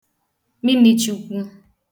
minīchukwu